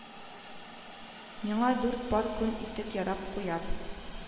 Миңа дүрт пар күн итек ярап куяр